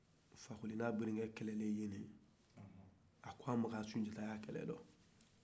fakoli n'a burankɛ kelɛla ye de ka kɔn makan sunjata ka kɛlɛ ma